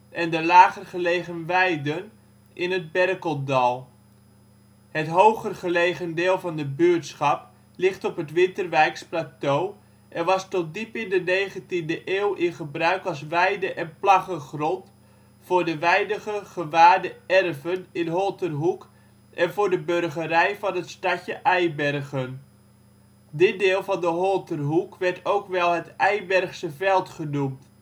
en de lager gelegen weiden in het Berkeldal. Het hoger gelegen deel van de buurtschap ligt op het Winterswijks plateau en was tot diep in de negentiende eeuw in gebruik als weide - en plaggengrond voor de weinige gewaarde erven in Holterhoek en voor de burgerij van het stadje Eibergen. Dit deel van de Holterhoek werd ook wel het Eibergse Veld genoemd